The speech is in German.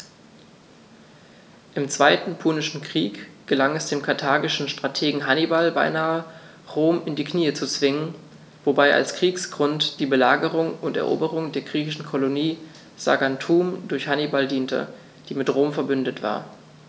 Im Zweiten Punischen Krieg gelang es dem karthagischen Strategen Hannibal beinahe, Rom in die Knie zu zwingen, wobei als Kriegsgrund die Belagerung und Eroberung der griechischen Kolonie Saguntum durch Hannibal diente, die mit Rom „verbündet“ war.